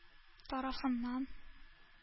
Тарафыннан